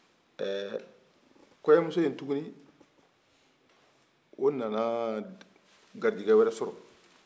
kɔɲɔmuso in tugu ni o nana garijɛgɛ wɛrɛ sɔrɔ